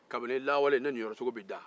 kabini lawale ne niyɔrɔsogo bɛ da